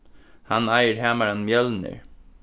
hann eigur hamaran mjølnir